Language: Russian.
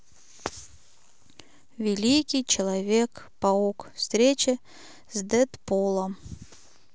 великий человек паук встреча с дэдпулом